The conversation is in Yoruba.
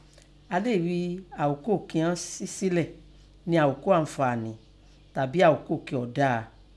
A lê ghí i aoko kín ọ́ si sinlẹ̀ ni aoko anfani tabin aoko kí ọ́ daa.